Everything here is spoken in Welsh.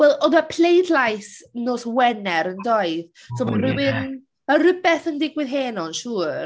Wel oedd y pleidlais nos Wener yn doedd?... ie ...So mae rywun mae rywbeth yn digwydd heno yn siŵr.